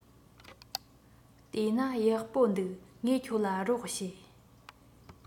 དེ ན ཡག པོ འདུག ངས ཁྱོད ལ རོགས བྱེད